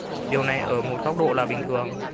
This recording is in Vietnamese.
điều này ở một góc độ là bình thường